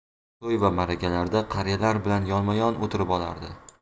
to'y va ma'rakalarda qariyalar bilan yonma yon o'tirib olardi